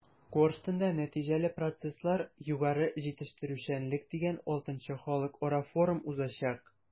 “корстон”да “нәтиҗәле процесслар-югары җитештерүчәнлек” дигән vι халыкара форум узачак.